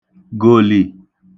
gòlì